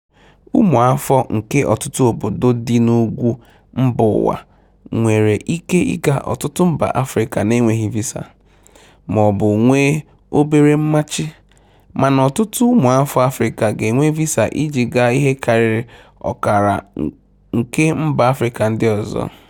Ụmụafọ nke ọtụtụ obodo dị n'ugwu mbaụwa nwere ike ịga ọtụtụ mba Afrịka n'enweghị visa, mọọbụ nwe obere mmachị, mana ọtụtụ ụmụafọ Afrịka ga-enwe visa ịjị gaa ihe karịrị ọkara nke mba Afrịka ndị ọzọ.